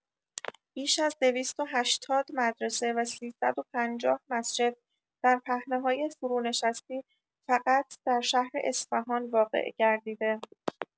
بیش از دویست و هشتاد مدرسه و سیصد و پنجاه مسجد در پهنه‌های فرونشستی فقط در شهر اصفهان واقع گردیده